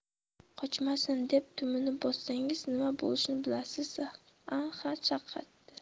qochmasin deb dumini bossangiz nima bo'lishini bilasiz a ha chaqadi